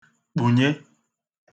kpùnye